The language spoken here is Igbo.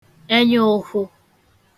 ẹnyaụ̀hụ